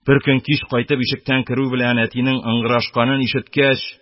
Беркөн кич кайтып, ишектән керү белән, әтинең ыңгырашканын ишеткәч,